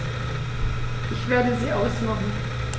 Ich werde sie ausmachen.